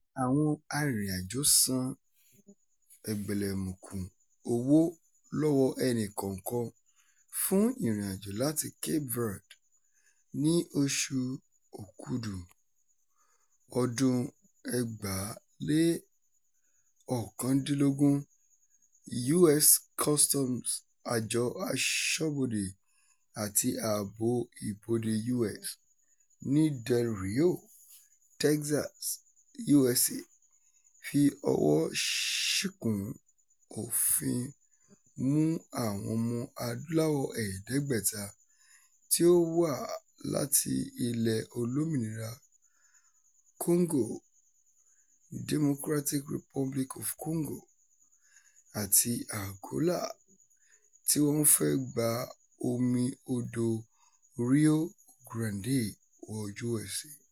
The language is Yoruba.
Àwọn arìnrìnàjòó san "ẹgbẹlẹmùkù owó lọ́wọ́ ẹnìkọ̀ọ̀kan" fún ìrìnàjò láti Cape Verde. Ní oṣù Òkúdù ọdún-un 2019, US Customs Àjọ Aṣọ́bodè àti Ààbò Ibodè US ní Del Rio, Texas, USA, fi ọwọ́ọ ṣìkún òfin mú àwọn ọmọ-adúláwọ̀ 500 tí ó wà láti Ilẹ̀-olómìnira Congo, Democratic Republic of Congo, àti Angola, tí wọn ń fẹ́ gba omi Odò Rio Grande wọ USA.